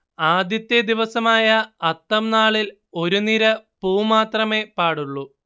ആദ്യത്തെ ദിവസമായ അത്തംനാളിൽ ഒരു നിര പൂ മാത്രമേ പാടുള്ളൂ